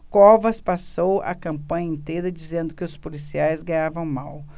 covas passou a campanha inteira dizendo que os policiais ganhavam mal